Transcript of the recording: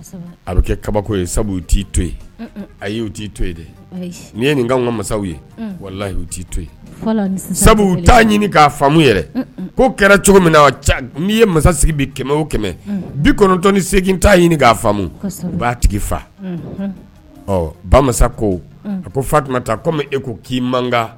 N'i ye ka masaw ye to sabu t'a ɲini k'a fa yɛrɛ ko kɛra cogo min na n'i ye masa sigi kɛmɛ o bi kɔnɔntɔn se t'a ɲini k'a faamu u b'a tigi fa ɔ ba ko a ko fa komi e ko k'i man